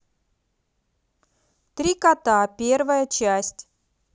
три кота первая часть